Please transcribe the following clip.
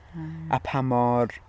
A... A pa mor...